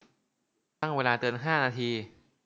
ตั้งเวลาเตือนห้านาที